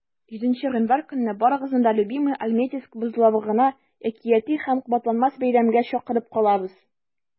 7 гыйнвар көнне барыгызны да "любимыйальметьевск" бозлавыгына әкияти һәм кабатланмас бәйрәмгә чакырып калабыз!